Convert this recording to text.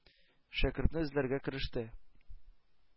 Шәкертне эзләргә кереште.